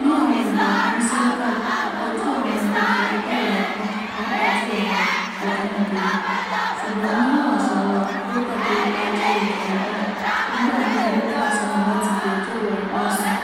Ní àwọn ìgbà kan ní Senegal, a kojú àwọn olùfaragbà ìwà ipá, pàápàá jùlọ àwọn ọ̀dọ́mọbìnrin, ṣùgbọ́n nínú àṣà wá, kódà bí o bá jẹ́ olùfaragbà, nígbà mìíràn [o] fà sẹ́yìn láti fi ẹjọ́ ìwà ipá sùn,